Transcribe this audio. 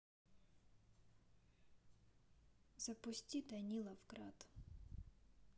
запусти данилов град